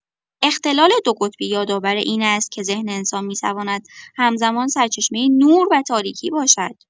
اختلال دوقطبی یادآور این است که ذهن انسان می‌تواند همزمان سرچشمه نور و تاریکی باشد.